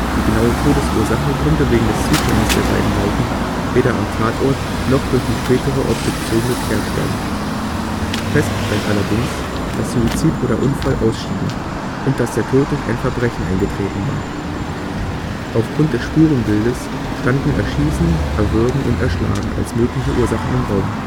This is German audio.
Die genaue Todesursache konnte wegen des Zustandes der beiden Leichen weder am Tatort noch durch die spätere Obduktion geklärt werden. Fest stand allerdings, dass Suizid oder Unfall ausschieden und dass der Tod durch ein Verbrechen eingetreten war. Aufgrund des Spurenbildes standen Erschießen, Erwürgen und Erschlagen als mögliche Ursachen im Raum